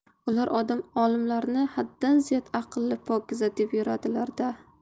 ular olimlarni haddan ziyod aqlli pokiza deb yuradilar da